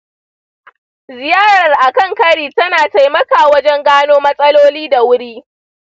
ziyarar akan kari tana taimaka wajen gano matsaloli da wuri.